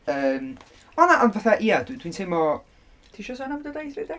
Yym. O na ond fatha, ia dwi dwi'n teimlo... Ti isio sôn am dy daith redeg?